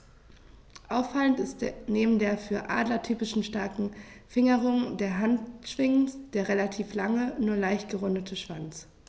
Auffallend ist neben der für Adler typischen starken Fingerung der Handschwingen der relativ lange, nur leicht gerundete Schwanz.